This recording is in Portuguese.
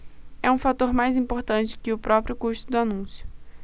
é um fator mais importante que o próprio custo do anúncio